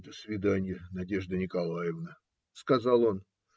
- До свиданья, Надежда Николаевна, - сказал он.